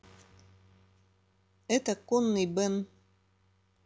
это конный бен